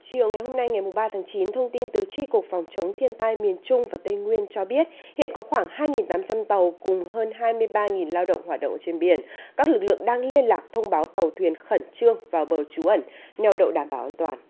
chiều ngày hôm nay ngày mùng ba tháng chín thông tin từ chi cục phòng chống thiên tai miền trung và tây nguyên cho biết hiện có khoảng hai nghìn tám trăm tàu cùng hơn hai mươi ba nghìn lao động hoạt động trên biển các lực lượng đang liên lạc thông báo tàu thuyền khẩn trương vào bờ trú ẩn neo đậu đảm bảo an toàn